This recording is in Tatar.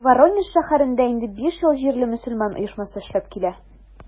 Воронеж шәһәрендә инде биш ел җирле мөселман оешмасы эшләп килә.